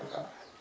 waaw